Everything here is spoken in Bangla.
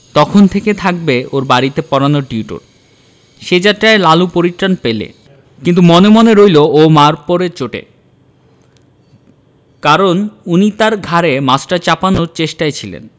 তখন থেকে থাকবে ওর বাড়িতে পড়ানোর টিউটার সে যাত্রা লালু পরিত্রাণ পেলে কিন্তু মনে মনে রইল ও মা'র 'পরে চটে কারণ উনি তার ঘাড়ে মাস্টার চাপানোর চেষ্টায় ছিলেন